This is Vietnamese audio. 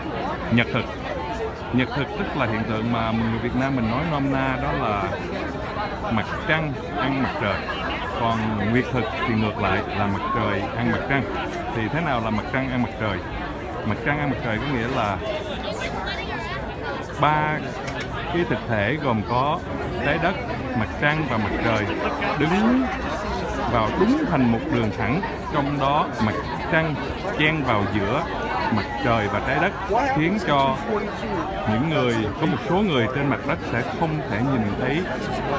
nhật thực nhật thực tức là hiện tượng mà người việt nam mình nói nôm na đó là mặt trăng ăn mặt trời còn nguyệt thực thì ngược lại là mặt trời ăn mặt trăng thì thế nào là mặt trăng ăn mặt trời mặt trăng ăn mặt trời có nghĩa là ba thiên thực thể gồm có trái đất mặt trăng và mặt trời đứng vào đúng thành một đường thẳng trong đó mặt trăng chen vào giữa mặt trời và trái đất khiến cho những người có một số người trên mặt đất sẽ không thể nhìn thấy